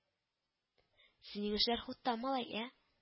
– синең эшләр хутта, малай, ә